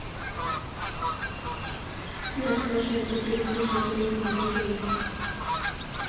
я спрашивала про перекрытие дорожного движения